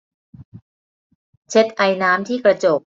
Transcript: เช็ดไอน้ำที่กระจก